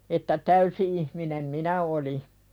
että täysi ihminen minä olin